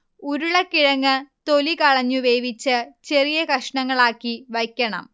ഉരുളക്കിഴങ്ങ് തൊലി കളഞ്ഞു വേവിച്ച് ചെറിയ കഷണങ്ങളാക്കി വയ്ക്കണം